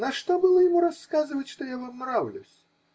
На что было ему рассказывать, что я вам нравлюсь?